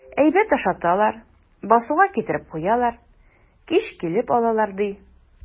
Әйбәт ашаталар, басуга китереп куялар, кич килеп алалар, ди.